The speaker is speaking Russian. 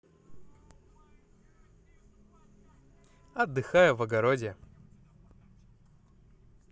отдыхаю в огороде